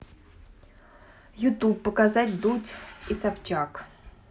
ютуб показать дудь и собчак